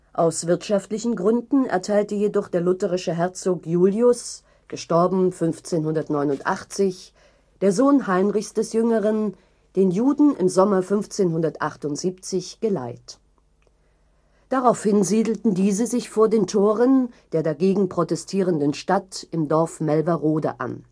Aus wirtschaftlichen Gründen erteilte jedoch der lutherische Herzog Julius († 1589), der Sohn Heinrichs des Jüngeren, den Juden im Sommer 1578 Geleit. Daraufhin siedelten diese sich vor den Toren der dagegen protestierenden Stadt im Dorf Melverode an